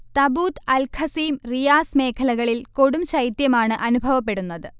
Tabuk, Al Qassim, Riyadh മേഖലകളിൽ കൊടുംശൈത്യമാണ് അനുഭവപ്പെടുന്നത്